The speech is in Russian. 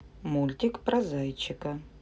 мультик про зайчика